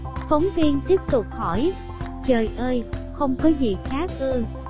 phóng viên trời ơi không có gì khác ư